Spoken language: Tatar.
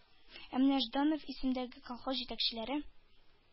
Ә менә Жданов исемендәге колхоз җитәкчеләре